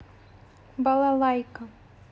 балалайка